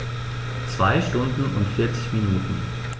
2 Stunden und 40 Minuten